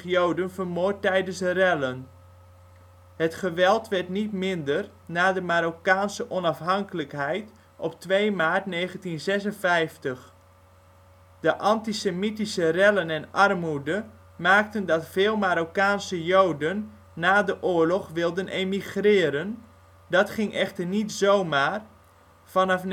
joden vermoord tijdens rellen. Het geweld werd niet minder na de Marokkaanse onafhankelijkheid op 2 maart 1956. De antisemitische rellen en armoede maakten dat veel Marokkaanse Joden na de oorlog wilden emigreren, dat ging echter niet zomaar, vanaf